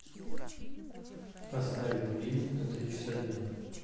поставить будильник на три часа дня